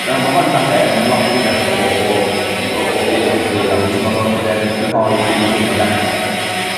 yy ma' hon falle yn lot rhy rough o o o o o o beth i ddweud a fi'n timlo fel bod e'n crynhoi be' fi'n teimlo berffaith.